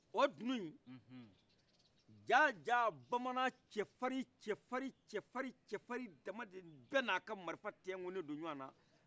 o dunu in jaja bamanan cɛfarin cɛfarin cɛfarin cɛfarin dama de bɛ na ka marifa tɛnku ne do ɲɔgɔnna